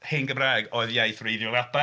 Hen Gymraeg oedd iaith wreiddiol yr Alban,